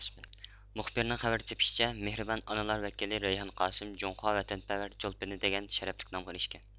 مۇخبىرنىڭ خەۋەر تېپىشىچە مېھرىبان ئانىلار ۋەكىلى رەيھان قاسىم جۇڭخۇا ۋەتەنپەرۋەر چولپىنى دېگەن شەرەپلىك نامغا ئېرىشكەن